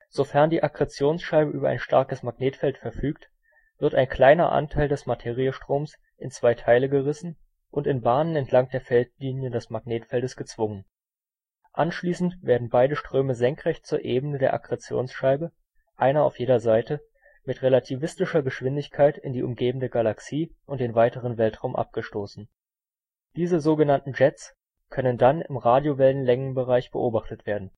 Sofern die Akkretionsscheibe über ein starkes Magnetfeld verfügt, wird ein kleiner Anteil des Materiestromes in zwei Teile gerissen und in Bahnen entlang der Feldlinien des Magnetfeldes gezwungen. Anschließend werden beide Ströme senkrecht zur Ebene der Akkretionsscheibe (einer auf jeder Seite) mit relativistischer Geschwindigkeit in die umgebende Galaxie und den weiteren Weltraum abgestoßen. Diese sogenannten „ Jets “, können dann im Radiowellenlängenbereich beobachtet werden